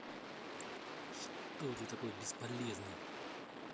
что ты такой бесполезный